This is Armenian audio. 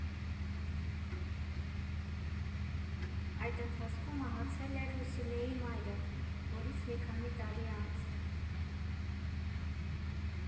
Այդ ընթացքում մահացել էր Լուսինեի մայրը՝ հորից մի քանի տարի անց։